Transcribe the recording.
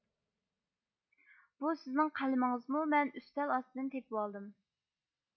بۇ سىزنىڭ قەلىمىڭىزمۇ مەن ئۈستەل ئاستىدىن تېپىۋالدىم